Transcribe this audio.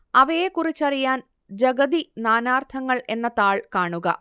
അവയെക്കുറിച്ചറിയാൻ ജഗതി നാനാര്ത്ഥങ്ങൾ എന്ന താൾ കാണുക